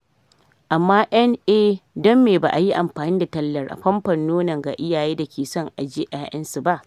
amma eh don me ba’ayi amfani da tallar famfon nono ga iyaye da ke son ajiya yayan su ba?”